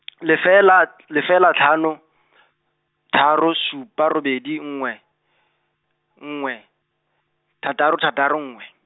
lefela, lefela tlhano , tharo supa robedi nngwe, nngwe, thataro thataro nngwe.